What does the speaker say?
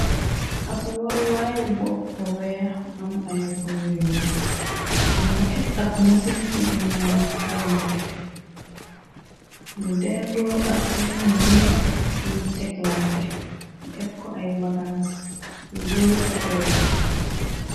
Ab waruwaay wu bopp bu weex am ay pono yu ñuul, am nga epp ab mësin ci ginnaaw bo nete, mu dendoo ak benn neg buñ tekklante yi ep ko ay bagas yu bërita fees.